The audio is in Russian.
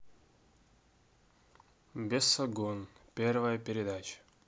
бесогон первая передача